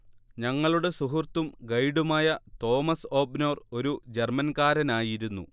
ഞങ്ങളുടെ സുഹൃത്തും ഗൈഡുമായ തോമസ് ഓബ്നോർ ഒരു ജർമൻകാരനായിരുന്നു